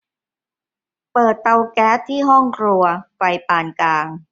เปิดเตาแก๊สที่ห้องครัวไฟปานกลาง